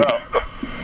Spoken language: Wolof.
waaw *